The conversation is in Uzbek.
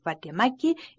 va demakki